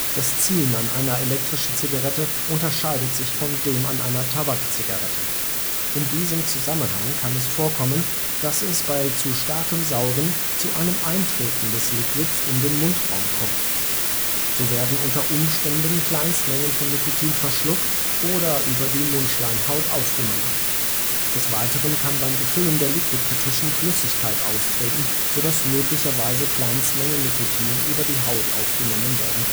Das Ziehen an einer elektrischen Zigarette unterscheidet sich von dem an einer Tabakzigarette. In diesem Zusammenhang kann es vorkommen, dass es bei zu starkem Saugen zu einem Eintreten des Liquids in den Mundraum kommt. So werden unter Umständen Kleinstmengen von Nikotin verschluckt oder über die Mundschleimhaut aufgenommen. Des Weiteren kann beim Befüllen der Liquid-Kartuschen Flüssigkeit austreten, sodass möglicherweise Kleinstmengen Nikotin über die Haut aufgenommen werden